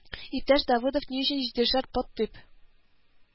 Иптәш Давыдов ни өчен җидешәр пот дип